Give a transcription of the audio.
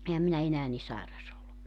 enhän minä enää niin sairas ollut